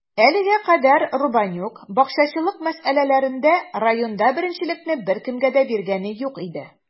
Әлегә кадәр Рубанюк бакчачылык мәсьәләләрендә районда беренчелекне беркемгә дә биргәне юк иде.